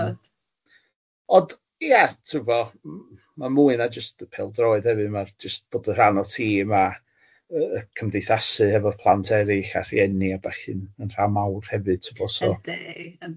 Yym ond ia tibod ma' mwy na jyst y pêl-droed hefyd ma' jyst bod yn rhan o tîm a yy cymdeithasu hefo plant erill a rhieni a ballu'n yn rhan mawr hefyd tibod so... Yndi yndi.